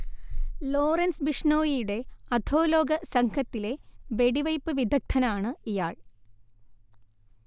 Lawrence ബിഷ്നോയിയുടെ അധോലോക സംഘത്തിലെ വെടിവെയ്പ്പ് വിദഗ്‌ദ്ധനാണ് ഇയാൾ